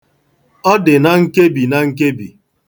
Ọ dị na nkebi na nkebi.